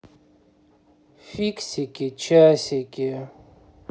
фиксики часики